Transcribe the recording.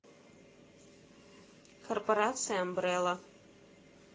корпорация амбрелла